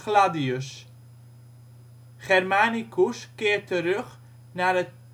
gladius. Germanicus keert terug naar het